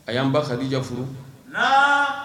A y'an basadija furu